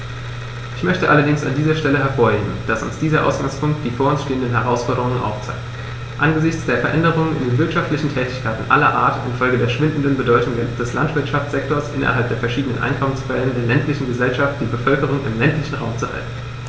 Ich möchte allerdings an dieser Stelle hervorheben, dass uns dieser Ausgangspunkt die vor uns stehenden Herausforderungen aufzeigt: angesichts der Veränderungen in den wirtschaftlichen Tätigkeiten aller Art infolge der schwindenden Bedeutung des Landwirtschaftssektors innerhalb der verschiedenen Einkommensquellen der ländlichen Gesellschaft die Bevölkerung im ländlichen Raum zu halten.